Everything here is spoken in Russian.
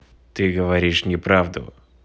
ты говоришь неправду